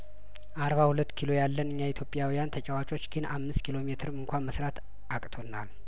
አርባ ሁለት ኪሎ ያለን እኛ ኢትዮጵያዊያን ተጫዋቾች ግን አምስት ኪሎ ሜትር እንኳን መስራት አቅቶናል